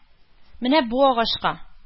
- менә бу агачка.